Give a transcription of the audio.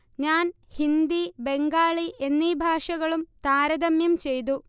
ഞാൻ ഹിന്ദി ബംഗാളി എന്നീ ഭാഷകളും താരതമ്യം ചെയ്തു